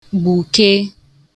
gbùke